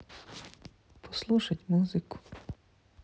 послушать музыку